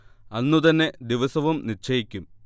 അന്നുതന്നെ ദിവസവും നിശ്ചയിക്കും